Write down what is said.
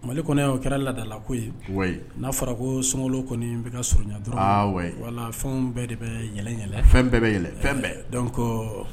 Mali kɔniɛ o kɛra ladala ko wa n'a fɔra ko so kɔni bɛ ka surun dɔrɔn wala fɛn bɛɛ de bɛɛlɛn yɛlɛ fɛn bɛɛ bɛ yɛlɛ fɛn bɛɛ dɔn ko